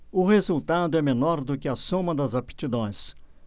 o resultado é menor do que a soma das aptidões